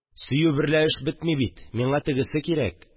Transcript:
Сөю берлә эш бетми бит, миңа тегесе кирәк!